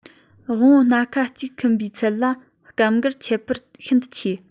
དབང པོ སྣ ཁ གཅིག ཁུམ པའི ཚད ལ སྐབས འགར ཁྱད པར ཤིན ཏུ ཆེ